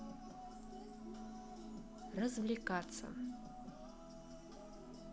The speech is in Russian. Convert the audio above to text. развлекаться